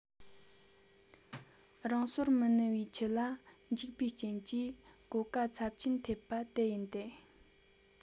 རང སོར མི གནས པའི ཁྱུ ལ འཇིག པའི རྐྱེན གྱིས གོད ཀ ཚབ ཆེན ཐེབས པ དེ ཡིན ཏེ